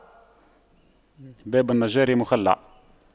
باب النجار مخَلَّع